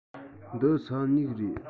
འདི ས སྨྱུག རེད